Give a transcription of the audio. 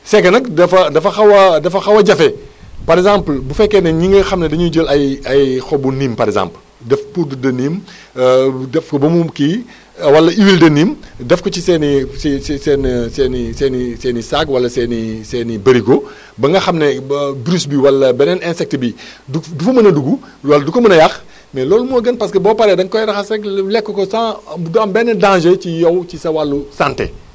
c' est que nag dafa dafa xaw a dafa xaw a jafe par exemple bu fekkee ne ñi nga xam ne dañuy jël ay ay xobu niim par exemple def poudre bi niim def ko ba mu kii wala huile de niim def ko ci seen i si si si seen seen i seen i seen i saak wala seen i seen i bërigo ba nga xam ne ba bruche bi wala beneen insecte bi du du fa mën a dugg loolu du ko mën a yàq mais loolu moo gën parce que boo paree da nga koy raxas rek lekk ko sans du am benn danger ci yow ci sa wàll santé